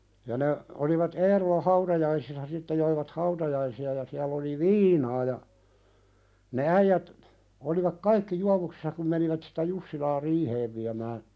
ja ne oli Eerolan hautajaisissa sitten joivat hautajaisia ja siellä oli viinaa ja ne äijät olivat kaikki juovuksissa kun menivät sitä Jussilaa riiheen viemään